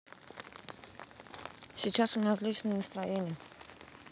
сейчас у меня отличное настроение